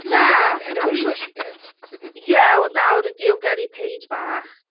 Na!... I kind of wish that she did. ... Ie wel nawr i diogelu Paige bach.